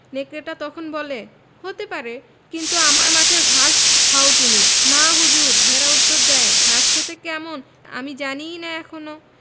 নেকড়েটা তখন বলে হতে পারে কিন্তু আমার মাঠের ঘাস খাও তুমি না হুজুর ভেড়া উত্তর দ্যায় ঘাস খেতে কেমন তাই আমি জানিই না এখনো